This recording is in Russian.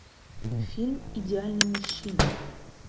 фильм идеальный мужчина